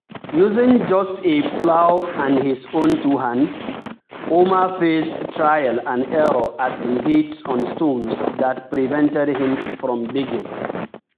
Using just a plow and his own two hands, Ouma faced trial and error as he hit on stones that prevented him from digging.